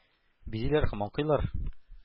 Бизиләр һәм аңкыйлар?!